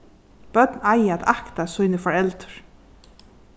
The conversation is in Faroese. børn eiga at akta síni foreldur